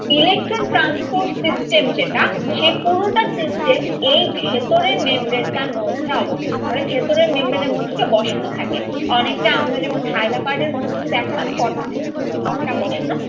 electron transport system যেটা সে পুরোটা সিস্টেম এ ভেতরের মেমব্রেন টায় অবস্থান করে ভেতরের মেমব্রেন টায় বসানো থাকে অনেকটা আমরা যেরকম থাইলাকয়েড এর মধ্যে দেখালাম ফটোসিন্থেটিক ইউনিট টা বসানো